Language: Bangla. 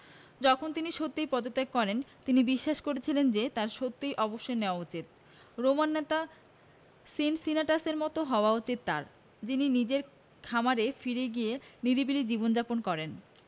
যখন তিনি সত্যিই পদত্যাগ করেন তিনি বিশ্বাস করেছিলেন যে তাঁর সত্যিই অবসর নেওয়া উচিত রোমান নেতা সিনসিনাটাসের মতো হওয়া উচিত তাঁর যিনি নিজের খামারে ফিরে গিয়ে নিরিবিলি জীবন যাপন করেন